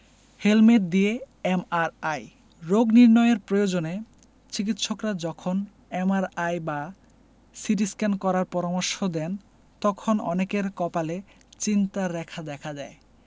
helmet দিয়ে MRI রোগ নির্নয়ের প্রয়োজনে চিকিত্সকরা যখন এমআরআই বা সিটিস্ক্যান করার পরামর্শ দেন তখন অনেকের কপালে চিন্তার রেখা দেখা দেয়